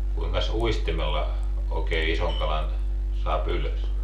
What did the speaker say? kuinkas uistimella oikein ison kalan saa ylös